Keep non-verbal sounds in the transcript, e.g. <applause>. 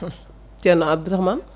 <smacks lips> eerno Abdourahmane